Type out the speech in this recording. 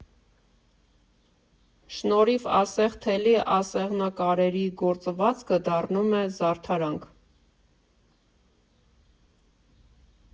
Շնորհիվ ասեղ֊թելի ասեղնակարերի գործվածքը դառնում է զարդարանք։